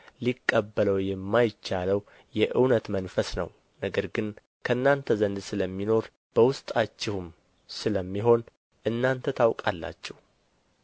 ሊቀበለው የማይቻለው የእውነት መንፈስ ነው ነገር ግን ከእናንተ ዘንድ ስለሚኖር በውሥጣችሁም ስለሚሆን እናንተ ታውቃላችሁ